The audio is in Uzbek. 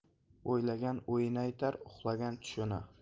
o'ylagan o'yini aytar uxlagan tushini